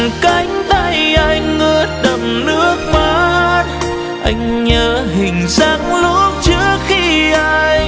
cánh tay anh ướt đẫm nước mắt anh nhớ hình dáng lúc trước khi anh